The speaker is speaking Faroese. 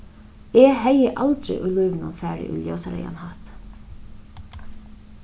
eg hevði aldri í lívinum farið í ljósareyðan hatt